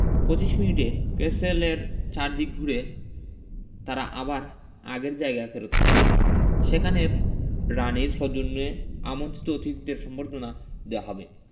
২৫ মিনিটে ক্যাসেলের চারদিক ঘুরে তাঁরা আবার আগের জায়গায় ফেরত আসবেন সেখানে রানির সৌজন্যে আমন্ত্রিত অতিথিদের সংবর্ধনা দেওয়া হবে